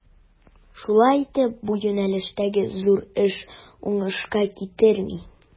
Шулай итеп, бу юнәлештәге зур эш уңышка китерми.